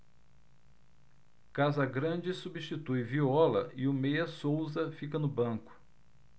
casagrande substitui viola e o meia souza fica no banco